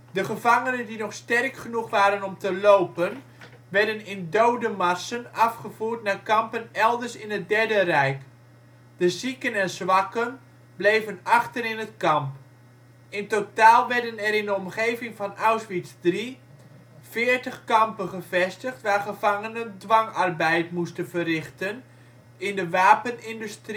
De gevangenen die nog sterk genoeg waren om te lopen werden in dodenmarsen afgevoerd naar kampen elders in het Derde Rijk. De zieken en zwakken bleven achter in het kamp. In totaal werden er in de omgeving van Auschwitz III veertig kampen gevestigd waar gevangenen dwangarbeid moesten verrichten in de wapenindustrie